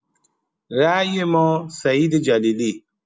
رای ما سعید جلیلی